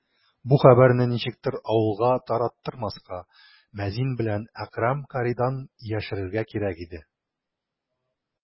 Бу хәбәрне ничектер авылга тараттырмаска, мәзин белән Әкрәм каридан яшерергә кирәк иде.